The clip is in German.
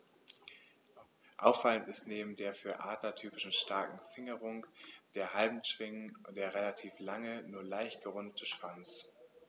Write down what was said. Auffallend ist neben der für Adler typischen starken Fingerung der Handschwingen der relativ lange, nur leicht gerundete Schwanz.